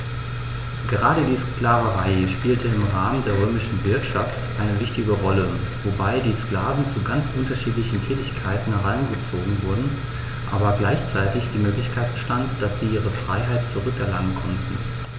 Gerade die Sklaverei spielte im Rahmen der römischen Wirtschaft eine wichtige Rolle, wobei die Sklaven zu ganz unterschiedlichen Tätigkeiten herangezogen wurden, aber gleichzeitig die Möglichkeit bestand, dass sie ihre Freiheit zurück erlangen konnten.